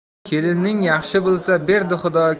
kelining yaxshi bo'lsa berdi xudo